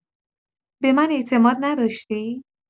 به من اعتماد نداشتی؟